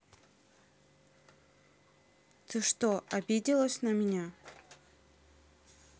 ты что обиделась на меня